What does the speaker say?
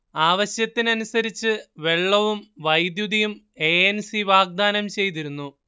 ആവശ്യത്തിനനുസരിച്ച് വെള്ളവും വൈദ്യുതിയും എ എൻ സി വാഗ്ദാനം ചെയ്തിരുന്നു